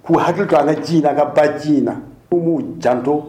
K'u hakili k'a ala ji in na ka ba ji in na u b'u janto